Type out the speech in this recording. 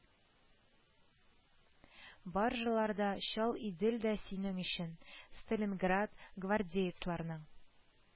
Баржалар да, чал идел дә синең өчен, сталинград, гвардеецларның